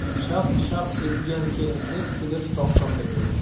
shaq shaq etgan kelinni sigir soqqanda ko'r